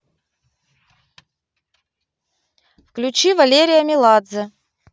включи валерия меладзе